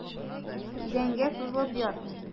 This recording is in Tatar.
Идәнгә сузылып ят.